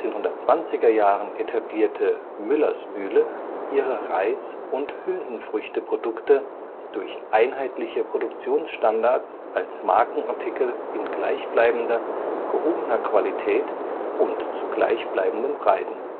1920er Jahren etablierte Müller’ s Mühle (früher Erbsen-Müller) ihre Reis - und Hülsenfrüchte-Produkte durch einheitliche Produktionsstandards als Markenartikel in gleich bleibender, gehobener Qualität und zu gleich bleibenden Preisen